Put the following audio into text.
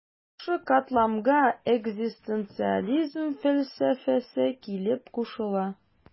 Шушы катламга экзистенциализм фәлсәфәсе килеп кушыла.